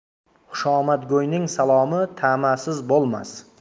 xushomadgo'yning salomi ta'masiz bo'lmas